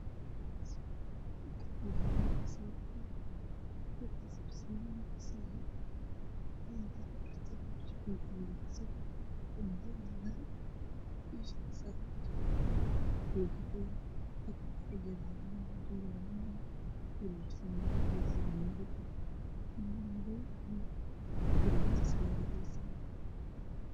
Halkaan waxaa ka muuqdo mashiinka shamiitada lagu qaso waxaana ka shaqaynaayo mid wato fanaanad gaduud iyo surwaal madaw ah iyo mid fanaanad jaalo ah wato